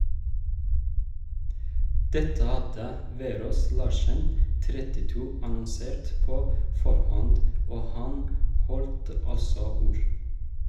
Dette hadde Verås Larsen (32) annonsert på forhånd, og han holdt altså ord.